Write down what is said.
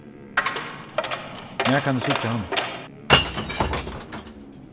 nær kann eg síggja hann